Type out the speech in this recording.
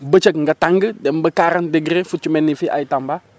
bëccëg nga tàng dem ba quarante degré fu ci mel ni fii ay Tamba